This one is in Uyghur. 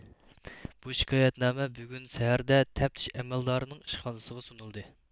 بۇ شىكايەتنامە بۈگۈن سەھەردە تەپتىش ئەمەلدارىنىڭ ئىشخانىسىغا سۇنۇلدى